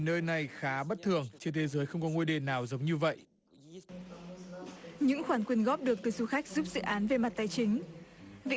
nơi này khá bất thường trên thế giới không có ngôi đền nào giống như vậy những khoản quyên góp được từ du khách giúp dự án về mặt tài chính vị